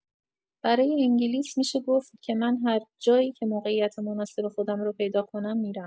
برای انگلیس می‌شه گفت که من هر جایی که موقعیت مناسب خودم رو پیدا کنم می‌رم.